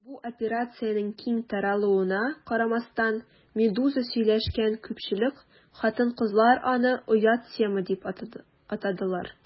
Бу операциянең киң таралуына карамастан, «Медуза» сөйләшкән күпчелек хатын-кызлар аны «оят тема» дип атадылар.